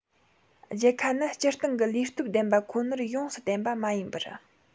རྒྱལ ཁ ནི སྤྱིར བཏང གི ལུས སྟོབས ལྡན པ ཁོ ནར ཡོངས སུ བརྟེན པ མ ཡིན པར